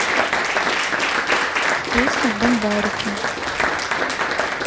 песня бомбарики